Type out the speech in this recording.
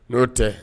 N'o tɛ